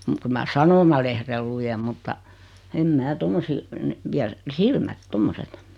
mutta kyllä minä sanomalehden luen mutta en minä tuommoisia ne vie silmät tuommoiset